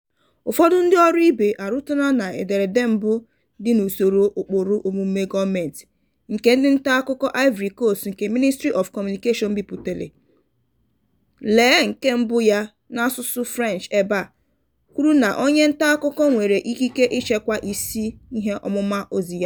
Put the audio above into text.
Ụfọdụ ndịọrụ ibe arụtụla na ederede mbụ dị n'usoro ụkpụrụ omume gọọmentị nke ndị ntaakụkọ Ivory Coast nke Ministry of Communications bipụtara (lee nke mbụ ya n'asụsụ French ebe a) kwuru na "onye ntaakụkọ nwere ikike ịchekwa isi ihe ọmụma ozi ya.